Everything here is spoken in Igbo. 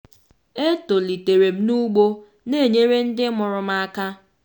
Etolitere m n'ugbo, na-enyere ndị mụrụ m aka.